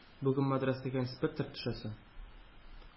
-бүген мәдрәсәгә инспектор төшәсе.